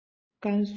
ཀན སུའུ